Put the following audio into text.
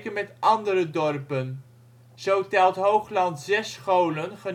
met andere dorpen. Zo telt Hoogland zes scholen